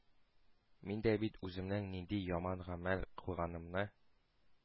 Мин дә бит үземнең нинди яман гамәл кылганымны